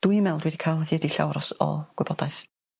Dwi'n me'wl dwi 'di ca'l o hyd i llawar o s- o gwybodaeth.